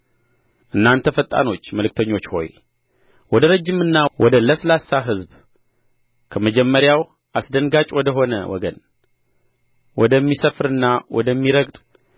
እናንተ ፈጣኖች መልእክተኞች ሆይ ወደ ረጅምና ወደ ለስላሳ ሕዝብ ከመጀመሪያው አስደንጋጭ ወደ ሆነ ወገን ወደሚሰፍርና ወደሚረግጥ